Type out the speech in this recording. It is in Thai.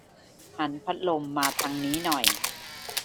หันพัดลมมาทางนี้หน่อย